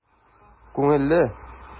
Күңелле!